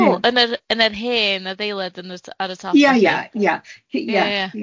Cŵl yn yr yn yr hen adeilad yn y t- ar y top felly? Ia, ia, ia .